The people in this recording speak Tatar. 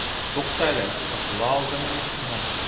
Туктале, котыла алдымыни соң ул?